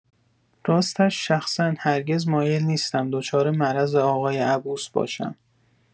راستش شخصا هرگز مایل نیستم دچار مرض آقای عبوس باشم.